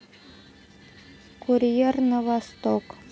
курьер на восток